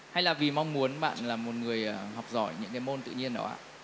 hay là vì mong muốn bạn là một người học giỏi những cái môn tự nhiên đó ạ